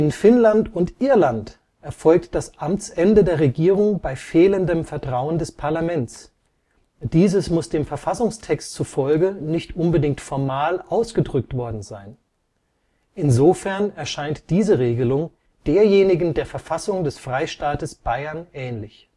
Finnland und Irland erfolgt das Amtsende der Regierung bei fehlendem Vertrauen des Parlaments; dieses muss dem Verfassungstext zufolge nicht unbedingt formal ausgedrückt worden sein. Insofern erscheint diese Regelung derjenigen der Verfassung des Freistaates Bayern ähnlich